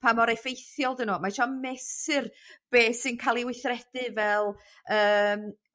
pa mor effeithiol 'dyn nw ma' isio mesur be' sy'n ca'l 'i weithredu fel yym